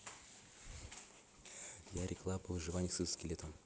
ярик лапа выживание с экзоскелетом